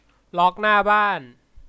ล็อคหน้าบ้าน